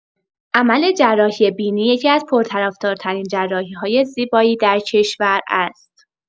عمل جراحی بینی یکی‌از پرطرفدارترین جراحی‌های زیبایی در کشور است.